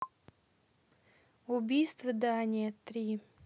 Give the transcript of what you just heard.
убийство дания три